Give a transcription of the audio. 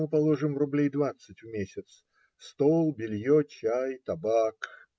ну, положим, рублей двадцать в месяц, стол, белье, чай, табак.